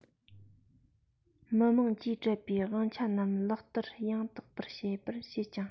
མི དམངས ཀྱིས སྤྲད པའི དབང ཆ རྣམས ལག བསྟར ཡང དག པར བྱེད ཅིང